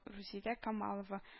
Рузилә Камалова